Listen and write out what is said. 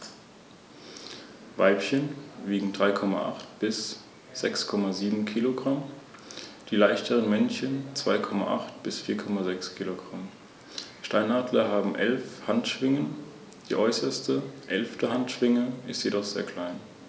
Der bislang einzige Nationalpark der Schweiz verfolgt drei Ziele: Naturschutz, Forschung und Information.